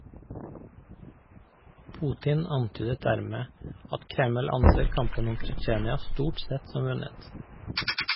Putin antydet dermed at Kreml anser kampen om Tsjetsjenia stort sett som vunnet.